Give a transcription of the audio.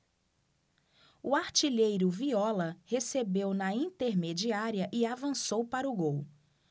o artilheiro viola recebeu na intermediária e avançou para o gol